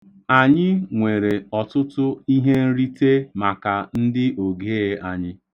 Anyị nwere ọtụtụ ihenrite maka ndị ogee anyị.